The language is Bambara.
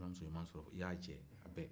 n'i ma muso ɲuman sɔrɔ i y'a jɛ a bɛɛ